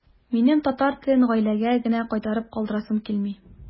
Минем татар телен гаиләгә генә кайтарып калдырасым килми.